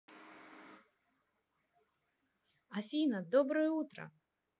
афина доброе утро